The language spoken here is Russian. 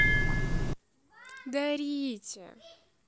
дарите